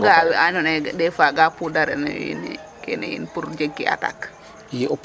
Kam ga'aa we andoona yee dés fois gaa pudaranooyo yiin kene yiin pour jegkee attaque?